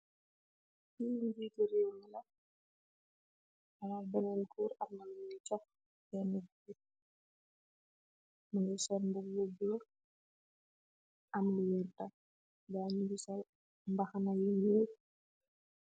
Kii njiiti réew mi la, mum mag beneen goor, amna lunj nyuy jox, bennu goor, mënge sol mbubu bu bula, amme lu werta, nga yi nyun sol mbaxana yu ñuul